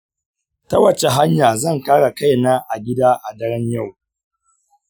ta wacce hanya zan kare kaina a gida a daren yau?